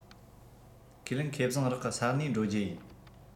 ཁས ལེན ཁེ བཟང རག གི ས གནས འགྲོ རྒྱུ ཡིན